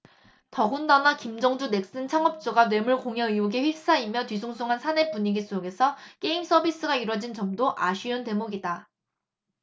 더군다나 김정주 넥슨 창업주가 뇌물 공여 의혹에 휩싸이며 뒤숭숭한 사내 분위기 속에서 게임 서비스가 이뤄진 점도 아쉬운 대목이다